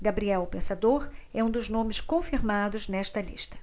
gabriel o pensador é um dos nomes confirmados nesta lista